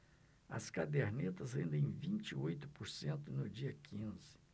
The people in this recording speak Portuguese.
as cadernetas rendem vinte e oito por cento no dia quinze